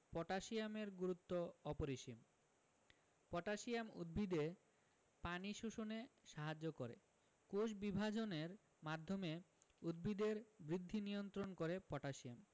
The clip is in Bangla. পটাশিয়ামের গুরুত্ব অপরিসীম পটাশিয়াম উদ্ভিদে পানি শোষণে সাহায্য করে কোষবিভাজনের মাধ্যমে উদ্ভিদের বৃদ্ধি নিয়ন্ত্রণ করে পটাশিয়াম